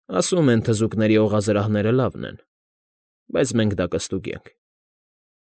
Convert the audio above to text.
Ասում են թզուկների օղազրահները լավն են, բայց մենք դա կստուգենք։